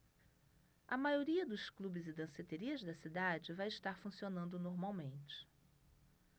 a maioria dos clubes e danceterias da cidade vai estar funcionando normalmente